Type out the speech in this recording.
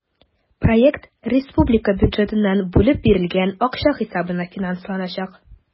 Проект республика бюджетыннан бүлеп бирелгән акча хисабына финансланачак.